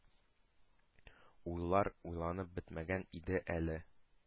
Уйлар уйланып бетмәгән иде әле.